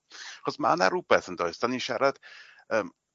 'Chos ma' 'na rwbeth yndoes 'dan ni'n siarad yym